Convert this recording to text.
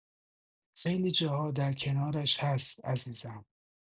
خیلی جاها در کنارش هست عزیزم